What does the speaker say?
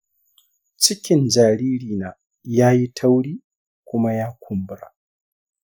cikin jaririna ya yi tauri kuma ya kumbura.